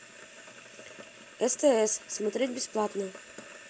стс смотреть бесплатно